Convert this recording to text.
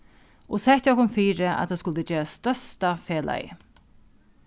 og settu okkum fyri at tað skuldi gerast størsta felagið